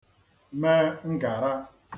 me ngàra